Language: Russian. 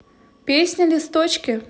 песня листочки